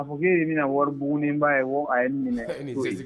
A fɔ e in bɛna waribuguugun ni b'a ye a ye minɛ